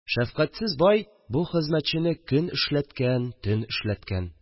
Шәфкатьсез бай бу хезмәтчене көн эшләткән, төн эшләткән